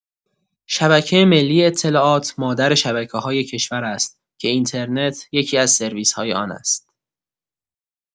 شبکه‌ملی اطلاعات مادر شبکه‌های کشور است که اینترنت یکی‌از سرویس‌های آن است.